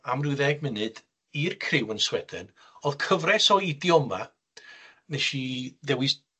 am ryw ddeg munud i'r criw yn Sweden o'dd cyfres o idioma wnes i dewis